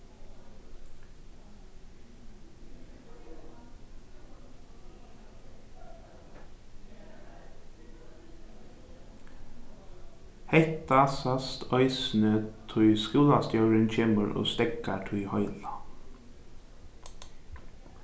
hetta sæst eisini tí skúlastjórin kemur og steðgar tí heila